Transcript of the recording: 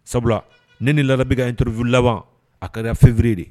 Sabula ne ni laada bɛ ka ntouru laban a kari fɛnfurue de